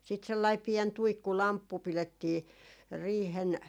sitten sellainen pieni tuikkulamppu pidettiin riihen